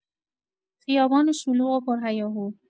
خیابان شلوغ و پرهیاهو